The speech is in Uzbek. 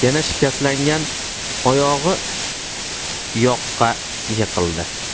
yana shikastlangan oyog'i yoqqa yiqildi